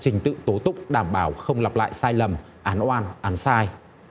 trình tự tố tụng đảm bảo không lặp lại sai lầm án oan án sai